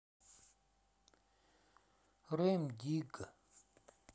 рем дигга